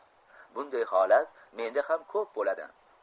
bunday holat menda ham ko'p bo'ladi